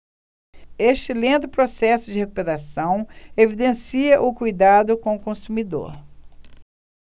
este lento processo de recuperação evidencia o cuidado com o consumidor